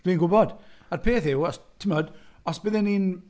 Dwi'n gwybod. A'r peth yw os... tibod os byddwn i'n...